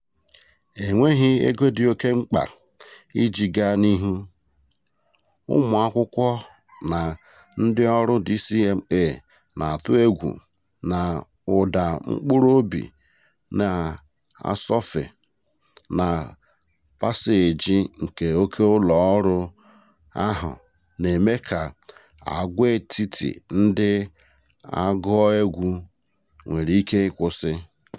Enweghị ego dị oke mkpa iji gaa n'ihu, ụmụakwụkwọ na ndị ọrụ DCMA na-atụ egwu na ụda mkpụrụobi na-asọfe na paseeji nke oké ụlọ ọrụ ahụ na-eme ka agwaetiti ndị a gụọ egwu - nwere ike ịkwụsị.